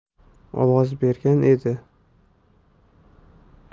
ovoz bergan edi